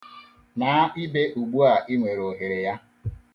Naa ibe ugbua i nwere ohere ya.